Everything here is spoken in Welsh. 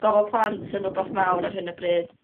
Gofal plant yn wbath mawr ar hyn o bryd